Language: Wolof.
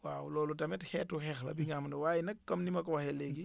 waaw loolu tamit xeetu xeex la bi nga xam ne waaye nag comme ni ma ko waxee léegi